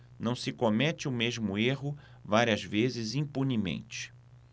não se comete o mesmo erro várias vezes impunemente